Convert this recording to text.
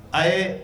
Ayi